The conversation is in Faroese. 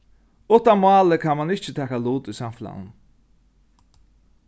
uttan málið kann mann ikki taka lut í samfelagnum